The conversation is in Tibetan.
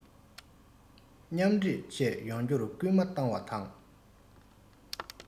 མཉམ འདྲེས བཅས ཡོང རྒྱུར སྐུལ མ བཏང བ དང